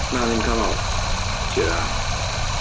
Na ddim camel, jiráff.